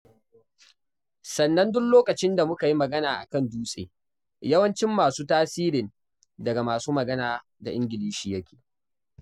Sannan duk lokacin da muka yi magana a kan Dutse, yawancin masu tasirin daga masu magana da Ingilishi yake.